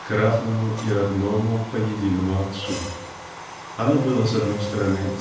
к равному и родному по Единому Отцу оно было с одной стороны